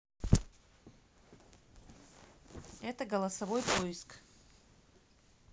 это голосовой поиск